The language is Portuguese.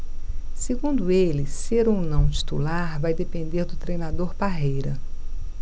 segundo ele ser ou não titular vai depender do treinador parreira